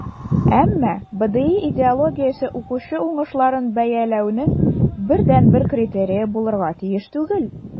Әмма БДИ идеологиясе укучы уңышларын бәяләүнең бердәнбер критерие булырга тиеш түгел.